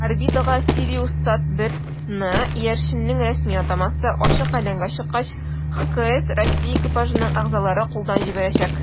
Орбитага "СириусСат-1"ны (иярченнең рәсми атамасы) ачык галәмгә чыккач ХКС Россия экипажының әгъзалары кулдан җибәрәчәк.